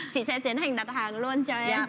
chị sẽ tiến hành đặt hàng luôn cho em